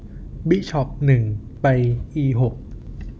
บิชอปหนึ่งไปอีหก